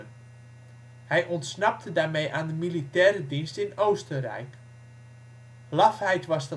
daarmee aan de militaire dienst in Oostenrijk. Lafheid was